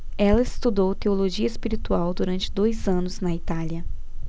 ela estudou teologia espiritual durante dois anos na itália